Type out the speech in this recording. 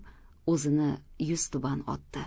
o'zini yuztuban otdi